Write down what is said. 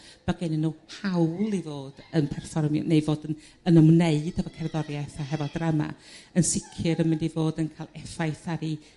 ma' gennyn nhw hawl i fod yn perfformio neu fod yn yn ymwneud efo cerddoriaeth a hefo drama yn sicr yn mynd i fod yn ca'l effaith ar 'i